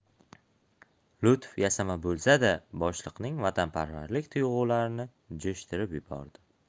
lutf yasama bo'lsa da boshliqning vatanparvarlik tuyg'ularini jo'shtirib yubordi